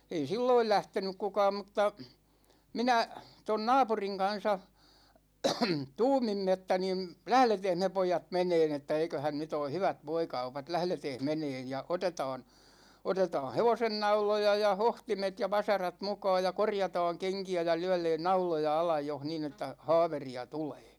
ei silloin lähtenyt kukaan mutta minä tuon naapurin kanssa tuumimme että niin lähdetäänpäs me pojat menemään että eiköhän nyt ole hyvät voikaupat lähdetäänpäs menemään ja otetaan otetaan hevosennauloja ja hohtimet ja vasarat mukaan ja korjataan kenkiä ja lyödään nauloja alle jos niin että haaveria tulee